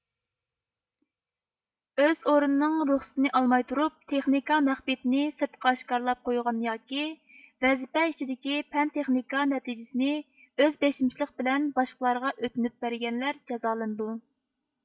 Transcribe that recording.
ئۆز ئورنىنىڭ رۇخسىتىنى ئالماي تۇرۇپ تېخنىكا مەخپىيىتىنى سىرتقا ئاشكارىلاپ قويغان ياكى ۋەزىيە ئىچىدىكى پەن تېخنىكا نەتىجىسىنى ئۆز بېشىمچىلىق بىلەن باشقلارغا ئۆتۈنۈپ بەرگەنلەرجازالىندۇ